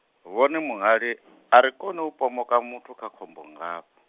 vhone muhali , a ri koni u pomoka muthu kha khombo nngafho.